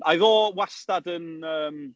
A oedd o wastad yn yym…